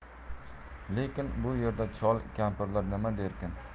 lekin bu yerda chol kampirlar nima derkin